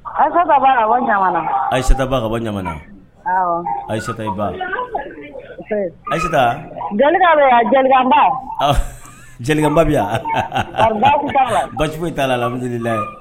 Ayisa a ayisataba ka bɔ ɲa ayisata i ba ayiseta bɛ yan jeliba jeliba bɛ bajugu'a la lamilila